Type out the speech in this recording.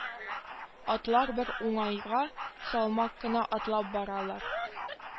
Атлар бер уңайга салмак кына атлап баралар